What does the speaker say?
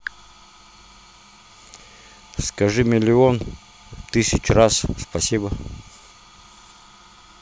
скажи миллион тысяч раз спасибо